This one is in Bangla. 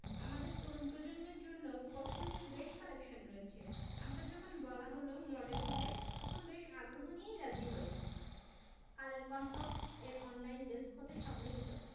আমাদের তরুণ প্রজন্মের জন্য পছন্দের বেশ কালেকশন রয়েছে আমাকে যখন বলা হলো মডেল হতে তখন বেশ আগ্রহ নিয়েই রাজি হই কালের কণ্ঠ এর অনলাইনে ডেস্ক হতে সংগৃহীত